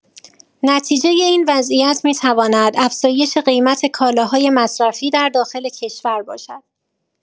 نتیجه این وضعیت می‌تواند افزایش قیمت کالاهای مصرفی در داخل کشور باشد.